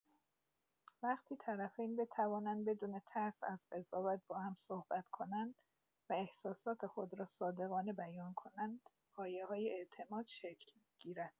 وقتی طرفین بتوانند بدون ترس از قضاوت با هم‌صحبت کنند و احساسات خود را صادقانه بیان کنند، پایه‌های اعتماد شکل می‌گیرد.